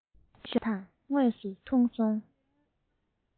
ཞོགས པ དངོས སུ མཐོང བྱུང